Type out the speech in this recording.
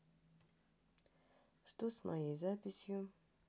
что с моей записью